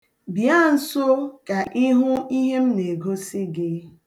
Bịa nso ka ị hụ ihe m na-egosi gị.